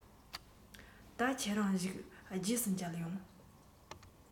ད ཁྱེད རང བཞུགས རྗེས སུ མཇལ ཡོང